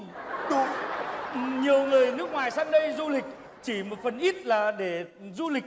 đúng nhiều người nước ngoài sang đây du lịch chỉ một phần ít là để du lịch